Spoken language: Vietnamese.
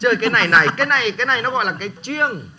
chơi cái này này cái này cái này nó gọi là cái chiêng